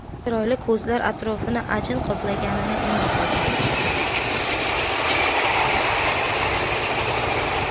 chiroyli ko'zlar atrofini ajin qoplaganini endi ko'rdi